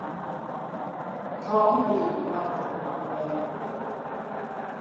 ท้องอืดมาหลายวันแล้ว